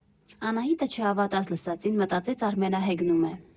Անահիտը չհավատաց լսածին, մտածեց Արմենը հեգնում է։